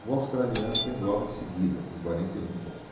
o australiano vem logo em seguida com quarenta e um pontos